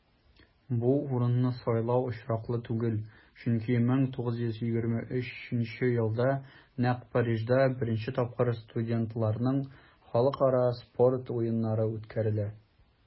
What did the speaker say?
Бу урынны сайлау очраклы түгел, чөнки 1923 елда нәкъ Парижда беренче тапкыр студентларның Халыкара спорт уеннары үткәрелә.